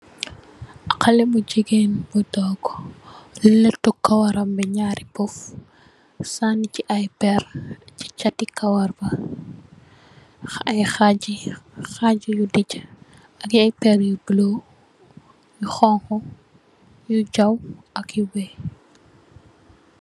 Khale bu jigenn bu tog letu karawm bi nyari poff, defsi ai perr si chati kawar b, perr yu bule, khonkhu ak weex.